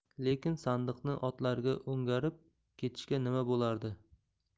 lekin sandiqni otlariga o'ngarib ketishsa nima bo'lardi